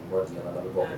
N bɔra